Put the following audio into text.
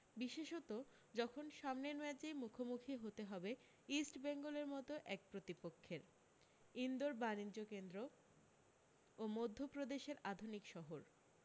বিশেষত যখন সামনের ম্যাচেই মুখোমুখি হতে হবে ইস্টবেঙ্গলের মত এক প্রতিপক্ষের ইন্দোর বানিজ্য কেন্দ্র ও মধ্য প্রদেশের আধুনিক শহর